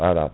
voilà